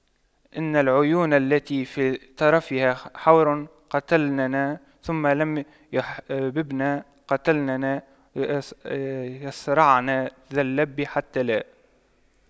إن العيون التي في طرفها حور قتلننا ثم لم يحيين قتلانا يَصرَعْنَ ذا اللب حتى لا